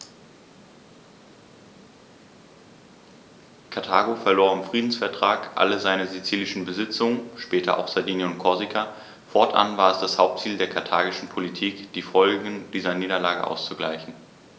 Karthago verlor im Friedensvertrag alle seine sizilischen Besitzungen (später auch Sardinien und Korsika); fortan war es das Hauptziel der karthagischen Politik, die Folgen dieser Niederlage auszugleichen.